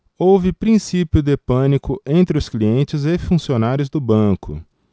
houve princípio de pânico entre os clientes e funcionários do banco